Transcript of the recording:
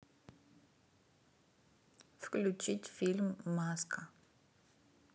включить фильм маска